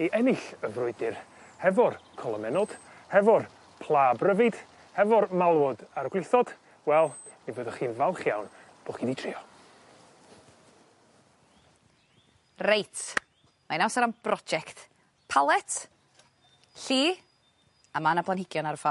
i ennill y frwydyr hefo'r colomenod, hefo'r pla o bryfid, hefo'r malwod a'r gwlithod wel mi fyddwch chi'n falch iawn bo' chi 'di trio. Reit, mai'n amsar am broject. Palet, lli a ma' na blanhigion ar y ffor.